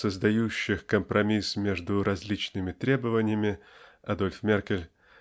создающих компромисс между различными требованиями (Адольф Меркель)